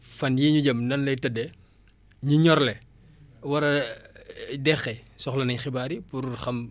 ñi ñorle war a deqi soxla nañ xibaar yi pour xam ban période moo baax pour ñu deqi